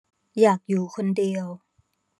อยากอยู่คนเดียว